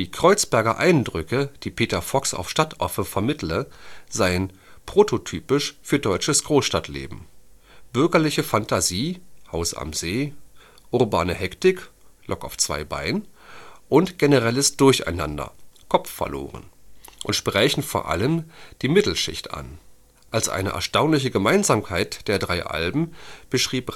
Kreuzberger Eindrücke “, die Peter Fox auf Stadtaffe vermittle, seien „ prototypisch für deutsches Großstadtleben “–„ bürgerliche Phantasien (Haus am See), […] urbane Hektik (Lok auf 2 Beinen) und generelles Durcheinander (Kopf verloren) “– und sprächen vor allem die Mittelschicht an. Als eine „ erstaunliche “Gemeinsamkeit der drei Alben beschrieb